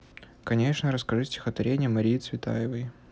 конечно расскажи стихотворение марии цветаевой